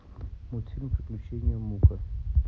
мультфильм приключения мука